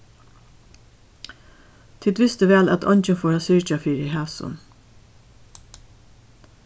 tit vistu væl at eingin fór at syrgja fyri hasum